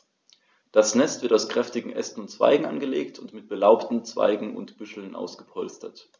Das Nest wird aus kräftigen Ästen und Zweigen angelegt und mit belaubten Zweigen und Büscheln ausgepolstert.